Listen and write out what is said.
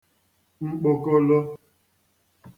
mkpokolo